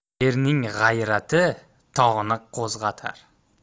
erning g'ayrati tog'ni qo'zg'atar